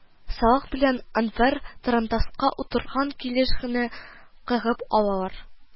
Салах белән Әнвәр тарантаска утырган килеш кенә кәгеп алалар